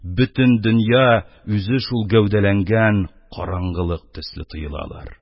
Бөтен дөнья үзе шул гәүдәләнгән караңгылык төсле тоелалар.